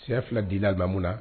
Cɛ fila di alilimamu na